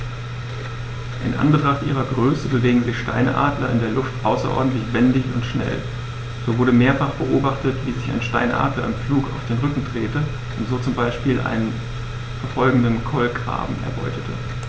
In Anbetracht ihrer Größe bewegen sich Steinadler in der Luft außerordentlich wendig und schnell, so wurde mehrfach beobachtet, wie sich ein Steinadler im Flug auf den Rücken drehte und so zum Beispiel einen verfolgenden Kolkraben erbeutete.